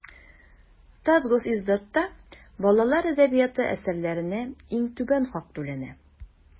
Татгосиздатта балалар әдәбияты әсәрләренә иң түбән хак түләнә.